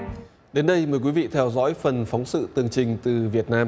đến đây mời quý vị theo dõi phần phóng sự tường trình từ việt nam